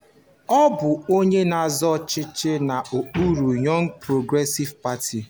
Ọ bụ onye na-azọ ọchịchị n'okpuru Young Progressive Party.